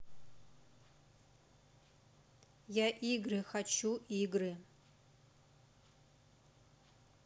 я игры хочу игры